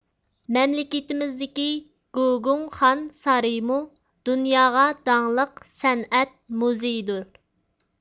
مەملىكىتىمىزدىكى گۇگۇڭ خان سارىيىمۇ دۇنياغا داڭلىق سەنئەت مۇزېيدۇر